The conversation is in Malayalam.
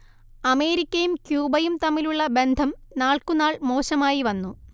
അമേരിക്കയും ക്യൂബയും തമ്മിലുള്ള ബന്ധം നാൾക്കുനാൾ മോശമായി വന്നു